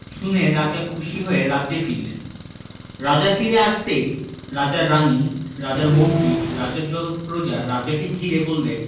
শুনে রাজা খুশি হয়ে রাজ্যে ফিরলেন রাজা ফিরে আসতেই রাজার রানী রাজার মন্ত্রী রাজার যত প্রজা রাজাকে ঘিরে বললে